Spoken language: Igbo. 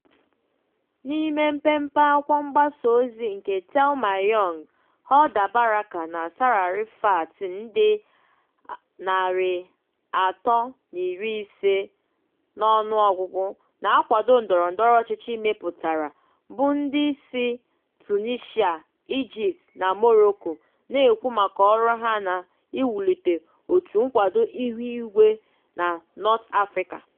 N'ime mpempe akwụkwọ mgbasaozi nke Thelma Young, Hoda Baraka na Sarah Rifaat ndị 350.org na-akwado ndọrọndọrọ ọchịchị mepụtara, bụ ndị si Tunisia, Egypt na Morocco, na-ekwu maka ọrụ ha n’iwulite òtù nkwado ihuigwe na North Africa.